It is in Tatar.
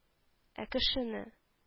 Ә кешене